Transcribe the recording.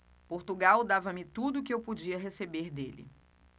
portugal dava-me tudo o que eu podia receber dele